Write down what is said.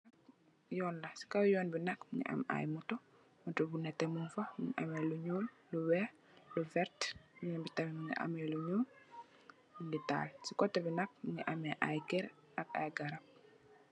Yoon la si kaw yoon bi nak mugii am ay motto, motto bu netteh mung fa, mugii ameh lu ñuul, lu wèèx lu werta. Nitali yi ci koteh bi nak mugii ameh ay kèr ak ay garap.